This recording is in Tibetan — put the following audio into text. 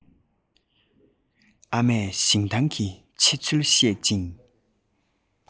ཨ མས ཞིང ཐང གི ཆེ ཚུལ བཤད ཅིང